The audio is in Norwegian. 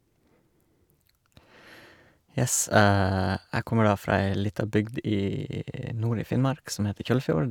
Yes, jeg kommer da fra ei lita bygd i nord i Finnmark som heter Kjøllfjord.